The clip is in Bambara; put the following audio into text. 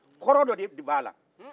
kɔrɔ dɔ de b'a la